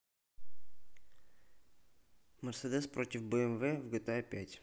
мерседес против бмв в гта пять